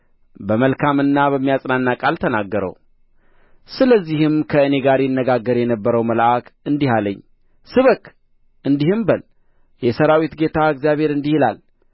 በመልካምና በሚያጽናና ቃል ተናገረው ስለዚህም ከእኔ ጋር ይነጋገር የነበረው መልአክ እንዲህ አለኝ ስበክ እንዲህም በል የሠራዊት ጌታ እግዚአብሔር እንዲህ ይላል